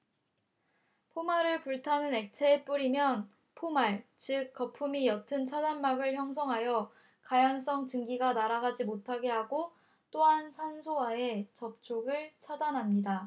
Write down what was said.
포말을 불타는 액체에 뿌리면 포말 즉 거품이 엷은 차단막을 형성하여 가연성 증기가 날아가지 못하게 하고 또한 산소와의 접촉을 차단합니다